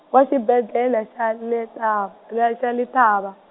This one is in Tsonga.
wa xibedlele xa Letab-, le xa Letaba.